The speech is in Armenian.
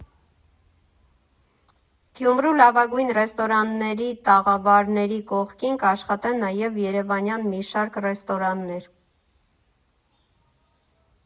Գյումրու լավագույն ռեստորանների տաղավարների կողքին կաշխատեն նաև երևանյան մի շարք ռեստորաններ։